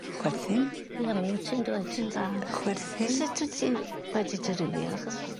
Chwerthin? Ia mi wt ti yndwyt? Ti'n dda. Chwerthin. Sut wt ti wedi dirywio